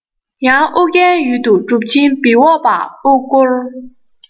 ཡང ཨུ རྒྱན ཡུལ དུ གྲུབ ཆེན བི འོག པ དབུ བསྐོར